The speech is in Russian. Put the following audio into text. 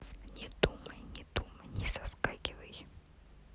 не думай не думай не соскакивай